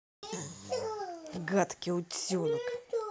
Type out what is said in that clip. гадкий утенок